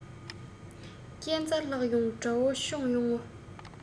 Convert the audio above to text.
རྐྱེན རྩ ལྷག ཡོང དགྲ བོ མཆོངས ཡོང ངོ